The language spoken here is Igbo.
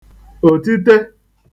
òtite